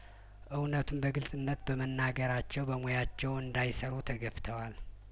እውነቱን በግልጽነት በመናገራቸው በሙያቸው እንዳይሰሩ ተግፍተዋል